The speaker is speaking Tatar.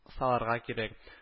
Салырга кирәк